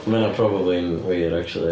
Mae hynna probably'n wir acshyli.